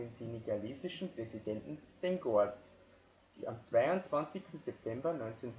senegalesischen Präsidenten Senghor, die am 22. September 1968